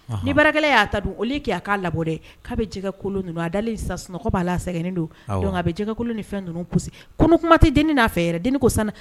Ni'a k'a bɛ a sa sunɔgɔ b'a la don bɛkolon kuma tɛ deni n'a fɛ yɛrɛ ko